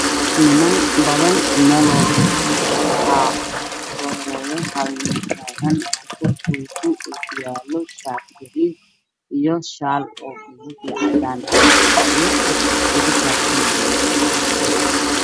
Waa niman aad u faro badan oo meel fadhiyo waxaa ugu soo horeeyo nin taagan waxuu wataa koofi, ookiyaalo, shaati gaduud, shaal gaduud iyo cadaan ah iyo usha xoolaha lugu daajinaayay.